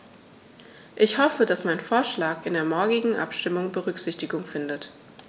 Ich hoffe, dass mein Vorschlag in der morgigen Abstimmung Berücksichtigung findet.